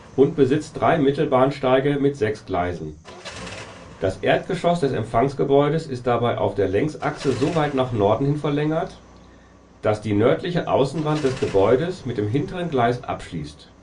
und besitzt drei Mittelbahnsteige mit sechs Gleisen. Das Erdgeschoss des Empfangsgebäudes ist dabei auf der Längsachse so weit nach Norden hin verlängert, dass die nördliche Außenwand des Gebäudes mit dem hintersten Gleis abschließt